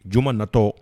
Juma natɔ